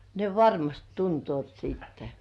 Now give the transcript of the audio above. ne varmasti tuntevat sitten